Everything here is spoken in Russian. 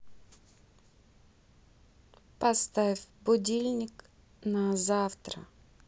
поставь будильник на завтра